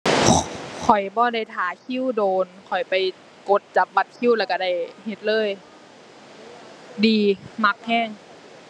ข้อยบ่ได้ท่าคิวโดน ข้อยไปกดจับบัตรคิวแล้วก็ได้เฮ็ดเลย ดี มักก็